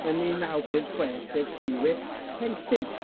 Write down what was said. yn un naw pump chwech, sef Tirwyth Penllyn.